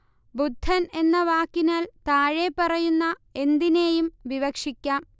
ബുദ്ധൻ എന്ന വാക്കിനാൽ താഴെപ്പറയുന്ന എന്തിനേയും വിവക്ഷിക്കാം